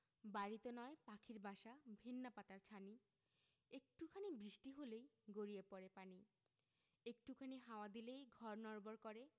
বাড়িতো নয় পাখির বাসা ভেন্না পাতার ছানি একটু খানি বৃষ্টি হলেই গড়িয়ে পড়ে পানি একটু খানি হাওয়া দিলেই ঘর নড়বড় করে